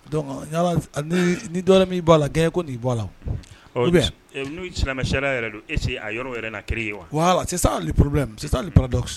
Don ni dɔn min b'a la gɛn koi' la bɛ n'u sinamɛ yɛrɛ don ese a yɔrɔ yɛrɛ na ki ye wa sisanli poro sisanlidɔ